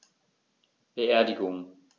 Beerdigung